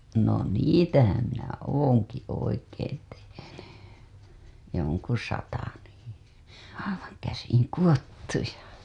no niitähän minä olenkin oikein tehnyt jonkun sata niin aivan käsin kudottuja